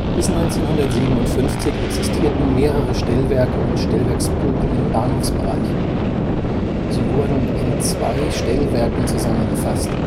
Bis 1957 existierten mehrere Stellwerke und Stellwerksbuden im Bahnhofsbereich. Sie wurden in zwei Stellwerken zusammengefasst